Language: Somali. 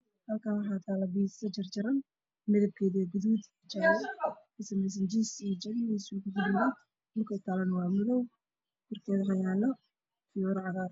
Kal kaan waxaa yaalo biiso jar jaran midab keedu yahay gaduud